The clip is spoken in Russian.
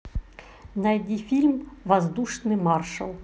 найди фильм воздушный маршал